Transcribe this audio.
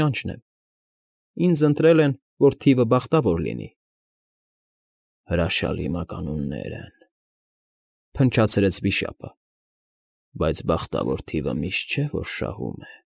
Ճանճն եմ, ինձ ընտրել են, որ թիվը բախտավոր լինի։ ֊ Հրաշալի մականուններ են,֊ փնչացրեց վիշապը։֊ Բայց բախտավոր թիվը միշտ չէ, որ շահում է։ ֊